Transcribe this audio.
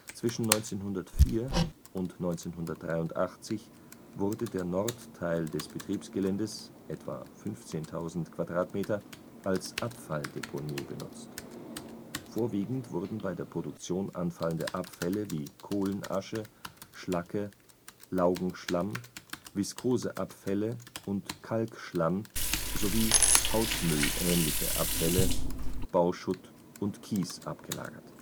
Zwischen 1904 und 1983 wurde der Nordteil des Betriebsgeländes, etwa 15.000 m², als Abfalldeponie benutzt. Vorwiegend wurden bei der Produktion anfallende Abfälle wie Kohlenasche, Schlacke, Laugenschlamm, Viskoseabfälle und Kalkschlamm sowie hausmüllähnliche Abfälle, Bauschutt und Kies abgelagert